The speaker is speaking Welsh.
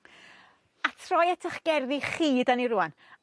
A troi at 'ych gerddi chi 'dyn ni rŵan.